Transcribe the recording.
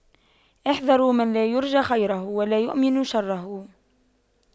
احذروا من لا يرجى خيره ولا يؤمن شره